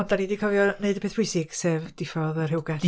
Ond dan ni 'di cofio neud y peth pwysig sef diffodd y rhewgell.